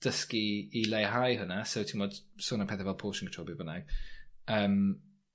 dysgu i leihau hwnna so t'mod sôn am pethe fel portion control be' bynnag yym